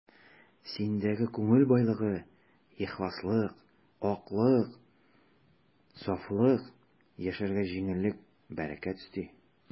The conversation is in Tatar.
Синдәге күңел байлыгы, ихласлык, аклык, сафлык яшәргә җиңеллек, бәрәкәт өсти.